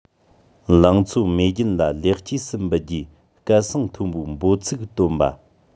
ལང ཚོ མེས རྒྱལ ལ ལེགས སྐྱེས སུ འབུལ རྒྱུའི སྐད གསང མཐོན པོའི འབོད ཚིག བཏོན པ